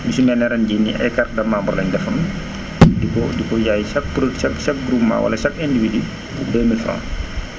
lu si mel ne ren jii nii ay cartes de membres lañ defoon di ko di ko jaayee chaque pro chaque groupement wala chaque individu 2000F